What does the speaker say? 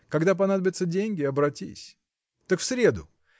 когда понадобятся деньги – обратись. Так в среду!